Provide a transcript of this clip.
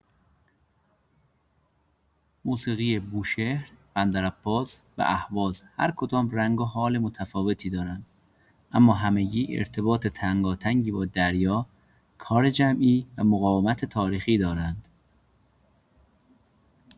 موسیقی بوشهر، بندرعباس و اهواز هرکدام رنگ و حال متفاوتی دارند اما همگی ارتباط تنگاتنگی با دریا، کار جمعی و مقاومت تاریخی دارند.